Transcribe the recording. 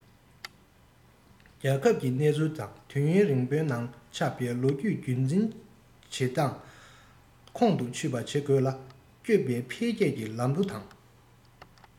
རྒྱལ ཁབ ཀྱི གནས ཚུལ དང དུས ཡུན རིང པོའི ནང ཆགས པའི ལོ རྒྱུས རྒྱུན འཛིན བྱེད སྟངས ཁོང དུ ཆུད པ བྱེད དགོས ལ བསྐྱོད པའི འཕེལ རྒྱས ཀྱི ལམ བུ དང